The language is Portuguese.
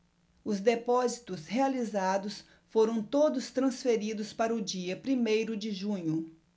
os depósitos realizados foram todos transferidos para o dia primeiro de junho